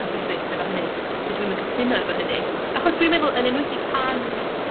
gyffyrddus efo hynny. Dydw i'm yn cytuno efo hynny. Achos dw i'n meddwl yn enwedig pan